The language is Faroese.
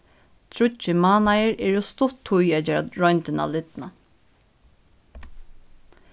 tríggir mánaðir er ov stutt tíð at gera royndina lidna